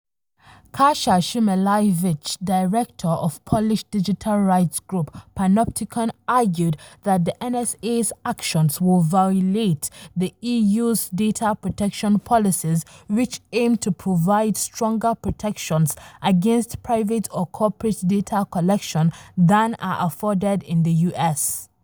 Kasia Szymielewicz, director of Polish digital rights group Panoptykon, argued that the NSA's actions would violate the EU's data protection policies, which aim to provide stronger protections against private or corporate data collection than are afforded in the US.